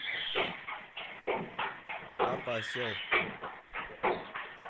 папа осел